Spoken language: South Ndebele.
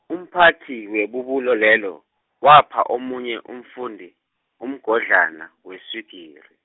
umphathi webubulo lelo, wapha omunye umfundi, umgodlana, weswigiri.